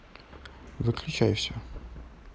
выключай все